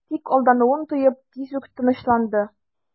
Тик алдануын тоеп, тиз үк тынычланды...